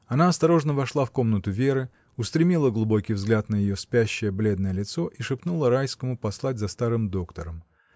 Она осторожно вошла в комнату Веры, устремила глубокий взгляд на ее спящее, бледное лицо и шепнула Райскому послать за старым доктором.